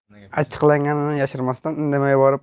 achchiqlanganini yashirmasdan indamay